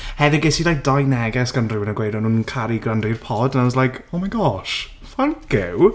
Hefyd ges i like dau neges gan rywun yn gweud o'n nhw'n caru gwrando i'r pod and I was like "Oh my gosh thank you!"